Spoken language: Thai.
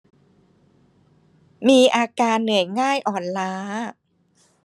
มีอาการเหนื่อยง่ายอ่อนล้า